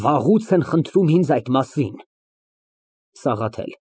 Վաղուց են խնդրում ինձ այդ մասին։ ՍԱՂԱԹԵԼ ֊